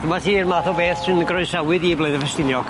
Dyma ti'r math o beth sy'n groesawu di i Blaene Festiniog.